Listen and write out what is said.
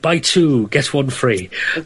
buy two get one free.